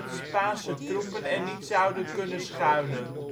Spaanse troepen er niet zouden kunnen schuilen